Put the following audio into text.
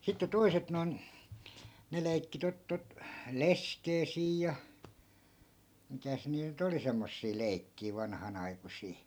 sitten toiset noin ne leikki tuota tuota leskeä siinä ja mitäs niitä nyt oli semmoisia leikkejä vanhanaikuisia